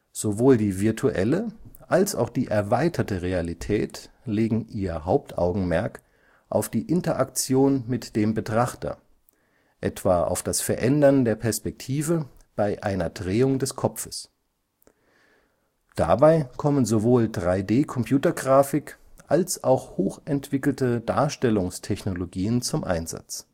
Sowohl die virtuelle als auch die erweiterte Realität legen ihr Hauptaugenmerk auf die Interaktion mit dem Betrachter, etwa auf das Verändern der Perspektive bei einer Drehung des Kopfes. Dabei kommen sowohl 3D-Computergrafik als auch hochentwickelte Darstellungstechnologien zum Einsatz